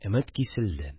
Өмет киселде